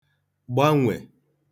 gbanwe